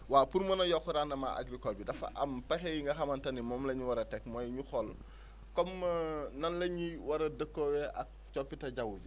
waaw pour mën a yokk rendement agricole bi dafa am pexe yi nga xamante ni moom la ñu war a teg mooy ñu xool comme nal la ñuy war a dëkkoowee ak coppie jaww ji